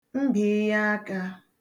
mbị̀ịyaakā